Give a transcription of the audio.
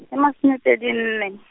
e masome pedi nne.